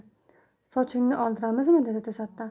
sochingni oldiramizmi dedi to'satdan